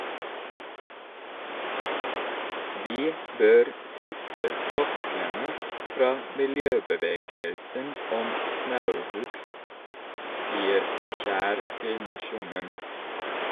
Vi bør slippe flosklene fra miljøbevegelsen om snauhugst, sier Kjær til Nationen.